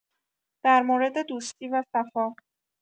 در مورد دوستی و صفا